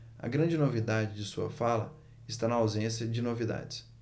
a grande novidade de sua fala está na ausência de novidades